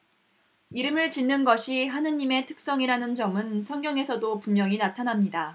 이름을 짓는 것이 하느님의 특성이라는 점은 성경에서도 분명히 나타납니다